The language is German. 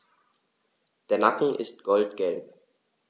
Der Nacken ist goldgelb.